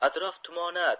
atrof tumonat